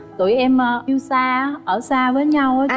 tụi em yêu xa á ở xa với nhau á chị